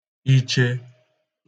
iche